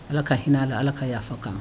Ala ka hinɛ a la allah ka yafa k'a ma.